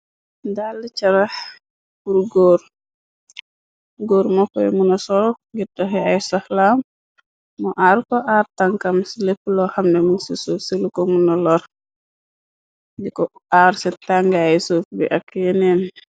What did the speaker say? Dalle carax pur góor, goor moi ko muna sol doxe ay soxlaam mo aar ko aar tankam ci lépp loo xamne min ci suuf silu ko muna lor, diko aar ci tànge ay suuf bi ak yeneen.